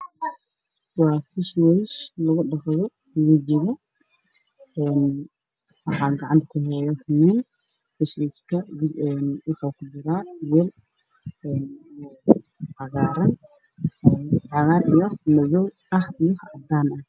Waa caagad midabkoodu yahay cagaar qof ayaa gacanta ku hayo waana caagad karaan ku jiro